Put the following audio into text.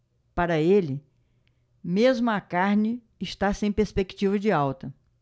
para ele mesmo a carne está sem perspectiva de alta